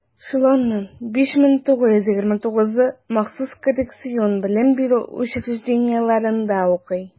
Шуларның 5929-ы махсус коррекцион белем бирү учреждениеләрендә укый.